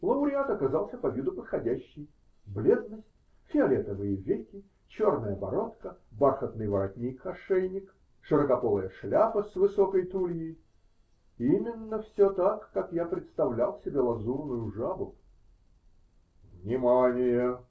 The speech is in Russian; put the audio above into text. Лауреат оказался по виду подходящий: бледность, фиолетовые веки, черная бородка, бархатный воротник-ошейник, широкополая шляпа с высокой тульей: именно все так, как я представлял себе лазурную жабу. -- Внимание!